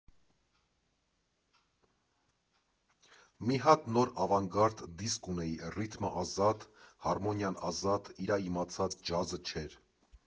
Մի հատ նոր ավանգարդ դիսկ ունեի՝ ռիթմը՝ ազատ, հարմոնիան՝ ազատ, իրա իմացած ջազը չէր։